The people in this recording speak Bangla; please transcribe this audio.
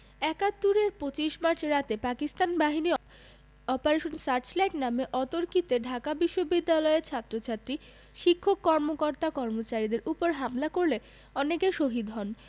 ৭১ এর ২৫ মার্চ রাতে পাকিস্তান বাহিনী অপারেশন সার্চলাইট নামে অতর্কিতে ঢাকা বিশ্ববিদ্যালয়ের ছাত্রছাত্রী শিক্ষক কর্মকর্তা কর্মচারীদের উপর হামলা করলে অনেকে শহীদ হন